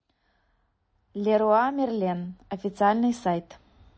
леруа мерлен официальный сайт